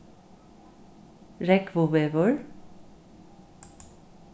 rógvuvegur